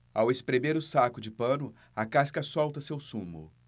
ao espremer o saco de pano a casca solta seu sumo